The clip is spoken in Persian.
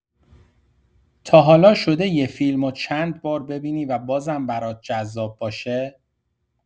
تا حالا شده یه فیلمو چند بار ببینی و بازم برات جذاب باشه؟